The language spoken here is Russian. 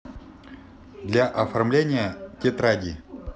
для оформления тетради